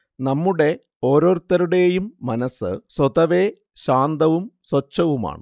നമ്മുടെ ഓരോരുത്തരുടെയും മനസ്സ് സ്വതവേ ശാന്തവും സ്വച്ഛവുമാണ്